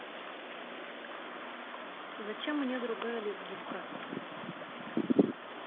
зачем мне другая лезгинка